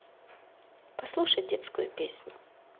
послушать детскую песню